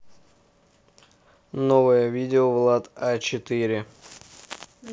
новое видео влад а четыре